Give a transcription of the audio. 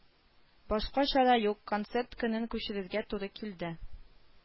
Башка чара юк концерт көнен күчерергә туры килде